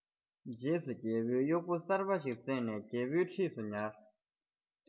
རྗེས སུ རྒྱལ པོས གཡོག པོ གསར པ ཞིག བཙལ ནས རྒྱལ པོའི འཁྲིས སུ ཉར